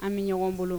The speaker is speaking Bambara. An bɛ ɲɔgɔn bolo